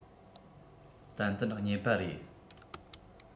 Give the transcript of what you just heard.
ཏན ཏན རྙེད པ རེད